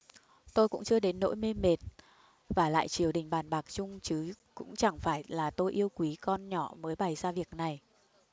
tôi cũng chưa đến nỗi mê mệt vả lại triều đình bàn bạc chung chứ cũng chẳng phải là tôi yêu quý con nhỏ mới bày ra việc này